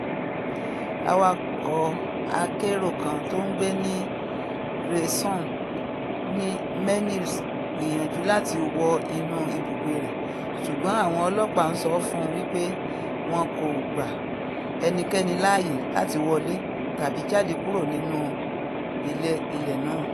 Awàkọ akérò kan tó ńgbé ní Grayson Mewṣ gbìyànjù láti wọ inú ibùgbé rẹ ṣùgbọ́n àwọn ọlọ́ọ̀pá ńsọ fún un wípé wọn kògba ́ẹnikẹ́nì láàyè láti wọlé tàbí jáde kúrò nínú ilé náà.